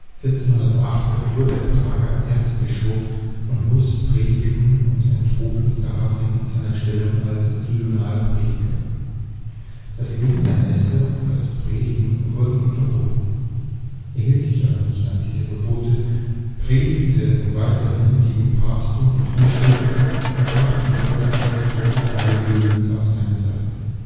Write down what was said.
1408 erfuhr der Prager Erzbischof von Hus ' Predigten und enthob ihn daraufhin seiner Stellung als Synodalprediger. Das Lesen der Messe und das Predigen wurden ihm verboten. Er hielt sich aber nicht an diese Verbote, predigte weiterhin gegen Papsttum und Bischöfe und brachte in kurzer Zeit große Teile Böhmens auf seine Seite